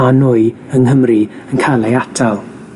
a nwy yng Nghymru yn cael ei atal.